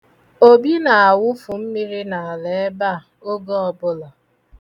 Obi na-awufu mmiri n'ala ebe oge ọbụla.